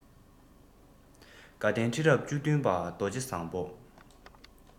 དགའ ལྡན ཁྲི རབས བཅུ བདུན པ རྡོ རྗེ བཟང པོ